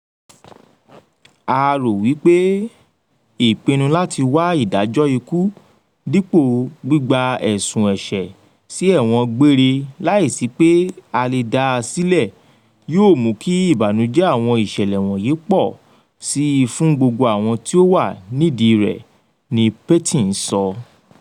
A rò wí pé ìpinnu láti wá ìdájọ́ ikú dípò gbígba ẹ̀sùn ẹ̀ṣẹ̀ sí ẹ̀wọ̀n gbére láìsí pé a lè dá a sílẹ̀ yóò mú kí ìbànújẹ́ àwọn ìṣẹ̀lẹ̀ wọ̀nyí pọ̀ sí i fún gbogbo àwọn tí ó wà nídìí rẹ̀, ni Patton sọ.